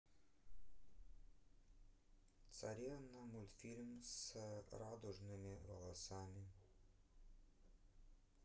царевна мультфильм с радужными волосами